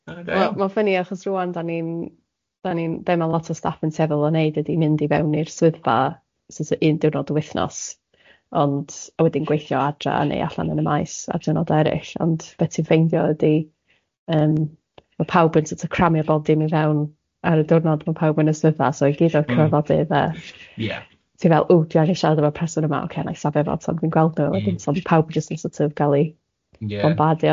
Wel ma'n ffyni achos rŵan dan ni'n, dan ni'n be' ma' lot o staff yn tueddol o wneud ydi mynd i fewn i'r swyddfa so it's a un diwrnod wythnos ond a wedyn gweithio adre neu allan yn y maes ar diwrnod eraill ond be' ti'n ffeindio ydi yym ma' pawb yn sort of cramio bodi i mynd fewn ar y diwrnod ma' pawb yn y swyddfa so i gyd o'r cyfoddodd... A ie. ...ti fel ww dwi angen siarad efo'r person yma ocê nai safio fo tan dwi'n gweld nhw a wedyn so ma' pawb jyst yn sort of ga'l i bombardio.